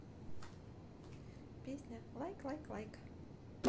песня лайк лайк лайк